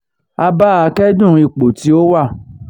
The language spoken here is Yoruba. A bá a kẹ́dùn ipò tí ó wà.